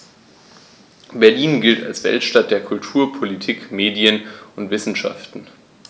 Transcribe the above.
Berlin gilt als Weltstadt der Kultur, Politik, Medien und Wissenschaften.